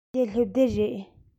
འདི སློབ དེབ རེད